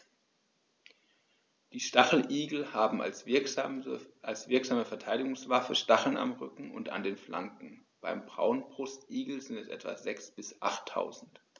Die Stacheligel haben als wirksame Verteidigungswaffe Stacheln am Rücken und an den Flanken (beim Braunbrustigel sind es etwa sechs- bis achttausend).